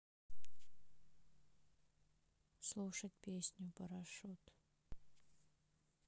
слушать песню парашют